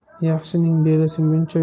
yaxshining beli singuncha